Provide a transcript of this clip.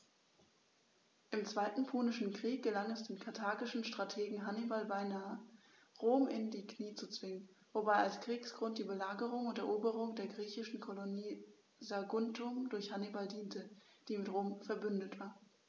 Im Zweiten Punischen Krieg gelang es dem karthagischen Strategen Hannibal beinahe, Rom in die Knie zu zwingen, wobei als Kriegsgrund die Belagerung und Eroberung der griechischen Kolonie Saguntum durch Hannibal diente, die mit Rom „verbündet“ war.